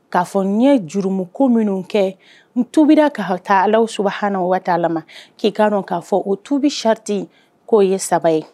K'a fɔ ye jurum ko minnu kɛ n tubi kahata ala su huna waati ma k'i kan k'a fɔ o tubi sariyati k'o ye saba